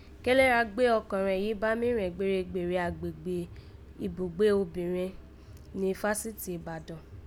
Kélé ra gbé ọkọ̀nrẹn yìí bá mí rẹ̀n gbéregbère àgbègbè ó ibùgbé obìnrẹn ni Fásitì Ìbàdàn